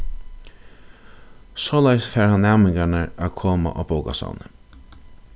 soleiðis fær hann næmingarnar at koma á bókasavnið